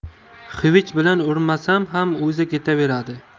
xivich bilan urmasam ham o'zi ketaveradi